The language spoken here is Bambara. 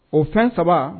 O fɛn 3 !